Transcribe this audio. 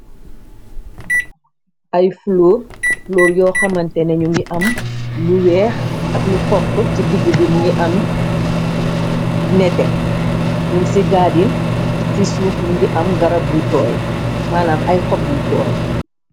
Ay color yoo xamante mu ngi am lu weex ak lu xonk ci digg bi mu ngi am nete ñung ci gaadin ci suuf mu ngi am garab bul tooy maanam ay xopbul tooy.